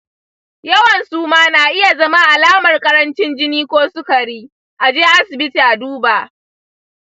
yawan suma na iya zama alamar ƙarancin jini ko sukari. a je asibiti a duba.